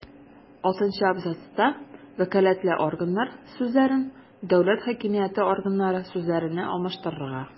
Алтынчы абзацта «вәкаләтле органнар» сүзләрен «дәүләт хакимияте органнары» сүзләренә алмаштырырга;